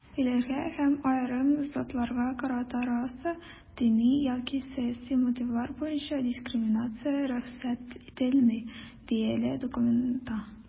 "илләргә һәм аерым затларга карата раса, дини яки сәяси мотивлар буенча дискриминация рөхсәт ителми", - диелә документта.